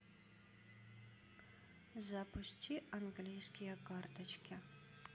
запусти английские карточки